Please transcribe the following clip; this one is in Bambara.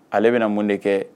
Ale bɛna na mun de kɛ